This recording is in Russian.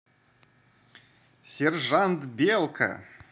сержант белка